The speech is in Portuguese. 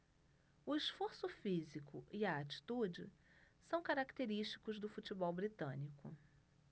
o esforço físico e a atitude são característicos do futebol britânico